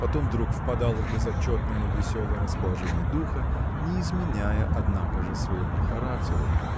потом вдруг впадала в безотчетно веселое расположение духа не изменяя однако же своему характеру